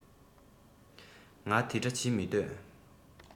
ང འདི འདྲ བྱེད མི འདུག